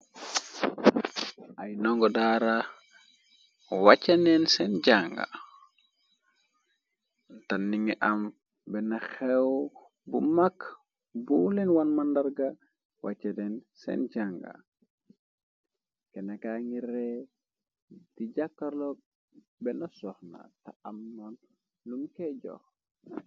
Ay ndongo daara wacha neen seen janga tanni ngi am benna xew bu mag bu leen wan mandarga wacha leen seen janga kenna ka ngi ree di jàkkarloo bena sox na te am moon lum key jox.